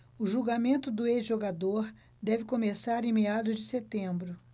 o julgamento do ex-jogador deve começar em meados de setembro